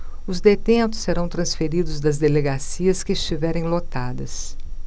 os detentos serão transferidos das delegacias que estiverem lotadas